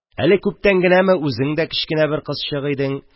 Әле күптән генәме үзең дә кечкенә бер кызчык идең...